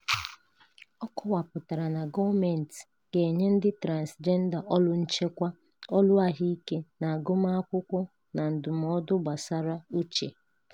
Ọ kọwapụtakwara na gọọmentị ga-enye ndị transịjenda ụlọ nchekwa, ụlọ ahụike na agụmakwụkwọ na ndụmọdụ gbasara uche.